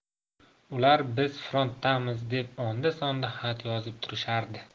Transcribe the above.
ular biz frontdamiz deb onda sonda xat yozib turishardi